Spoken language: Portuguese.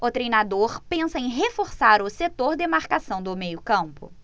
o treinador pensa em reforçar o setor de marcação do meio campo